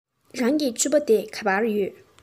རང གི ཕྱུ པ དེ ག པར ཡོད